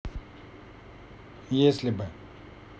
если бы